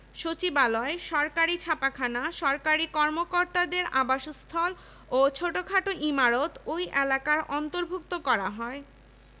সুতরাং ঢাকা ছাত্রসংখ্যার দিক থেকে মধ্যস্থান দখল করে আছে কমিশন নাথান কমিটির বেশির ভাগ সুপারিশের সঙ্গে একমত পোষণ করে